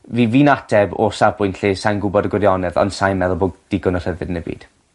Fi fi'n ateb o safbwynt lle sai'n gwbod y gwirionedd on' sai'n meddwl bo' digon o rhyddid yn y byd.